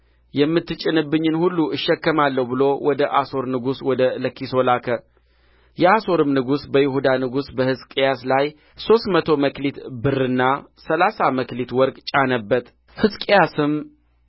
የምትጭንብኝን ሁሉ እሸከማለሁ ብሎ ወደ አሦር ንጉሥ ወደ ለኪሶ ላከ የአሦርም ንጉሥ በይሁዳ ንጉሥ በሕዝቅያስ ላይ ሦስት መቶ መክሊት ብርና ሠላሳ መክሊት ወርቅ ጫነበት ሕዝቅያስም